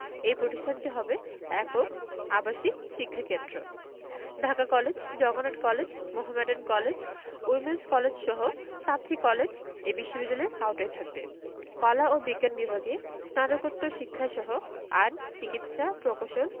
এ প্রতিষ্ঠানটি হবে একক আবাসিক শিক্ষাক্ষেত্র Dhaka college Jagannath college Mohammedan college women's কলেজসহ সাতটি কলেজ এ বিশ্ববিদ্যালয়ের আওতায় থাকবে কলা ও বিজ্ঞান বিভাগে স্নাতকোত্তর শিক্ষাসহ আইন চিকিৎসা প্রকৌশল